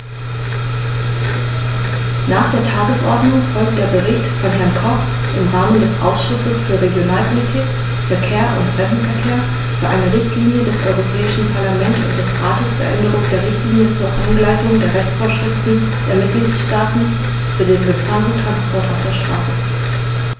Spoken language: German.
Nach der Tagesordnung folgt der Bericht von Herrn Koch im Namen des Ausschusses für Regionalpolitik, Verkehr und Fremdenverkehr für eine Richtlinie des Europäischen Parlament und des Rates zur Änderung der Richtlinie zur Angleichung der Rechtsvorschriften der Mitgliedstaaten für den Gefahrguttransport auf der Straße.